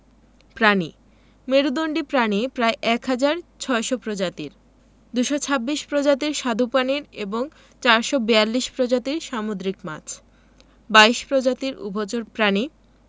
প্রাণীঃ মেরুদন্ডী প্রাণী প্রায় ১হাজার ৬০০ প্রজাতির ২২৬ প্রজাতির স্বাদু পানির এবং ৪৪২ প্রজাতির সামুদ্রিক মাছ ২২ প্রজাতির উভচর প্রাণী